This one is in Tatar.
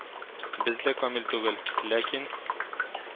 Без дә камил түгел, ләкин